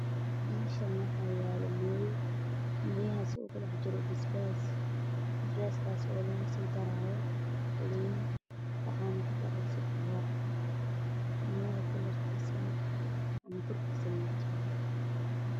Meeshan waxaa yaalla mooyo waxaa ku jira basbaas waxaa lagu darayaa liin waxaa ku dareysa gabar